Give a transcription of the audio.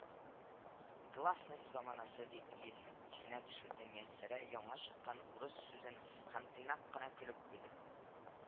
—гластность заманасы,—дип иесе исенә төшерде мияссәрә яңа чыккан урыс сүзен һәм тыйнак кына көлеп куйды